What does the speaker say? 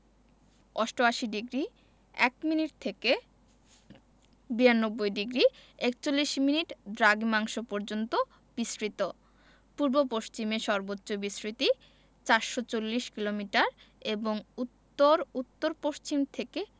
৮৮ degree ০১ minute থেকে ৯২ degree ৪১মিনিট দ্রাঘিমাংশ পর্যন্ত বিস্তৃত পূর্ব পশ্চিমে সর্বোচ্চ বিস্তৃতি ৪৪০ কিলোমিটার এবং উত্তর উত্তর পশ্চিম থেকে